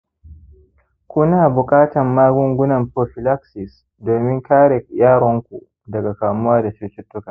kuna buƙatan magungunan prophylaxis domin kare yaron ku daga kamuwa da cututtuka